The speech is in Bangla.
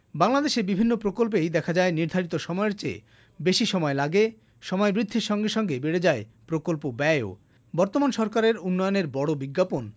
বাংলাদেশের বিভিন্ন প্রকল্পে দেখা যায় যে নির্ধারিত সময়ের চেয়ে বেশি সময় লাগে সময় বৃদ্ধির সঙ্গে সঙ্গে বেড়ে যায় প্রকল্প ব্যয় ও বর্তমান সরকারের উন্নয়নের বড় বিজ্ঞাপন